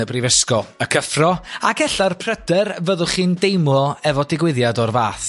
y brifysgol y cyffro ac ella'r pryder fyddwch chi'n deimlo efo digwyddiad o'r fath